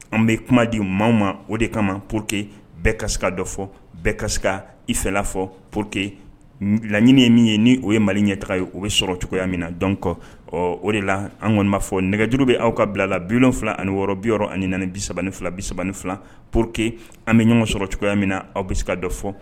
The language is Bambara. An bɛ kuma di maaw ma o de kama po queke bɛɛ kasi ka dɔ fɔ bɛɛ kasi ifɛlafɔ po que laɲini ye min ye ni o ye mali ɲɛ taga ye o bɛ sɔrɔ cogoyaya min na dɔn kɔ ɔ o de la an kɔni b'a fɔ nɛgɛjuru bɛ aw ka bila la bilon wolonwula ni wɔɔrɔ bi ani bi3 fila bi3 fila po quete an bɛ ɲɔgɔn sɔrɔ cogoyaya min na aw bɛ ka dɔ fɔ